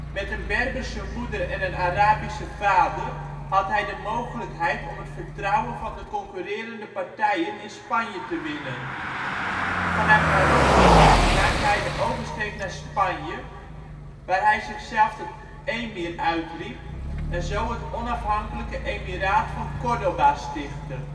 Met een Berberse moeder en een Arabische vader had hij de mogelijkheid om het vertrouwen van de concurrerende partijen in Spanje te winnen. Vanuit Marokko maakte hij de oversteek naar Spanje, waar hij zichzelf tot emir uitriep en zo het onafhankelijke Emiraat van Córdoba stichtte